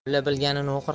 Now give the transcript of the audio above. mulla bilganin o'qir